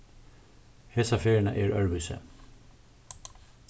hesa ferðina er øðrvísi